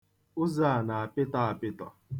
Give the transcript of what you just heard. Ụzọ a na-apịtọ apịtọ.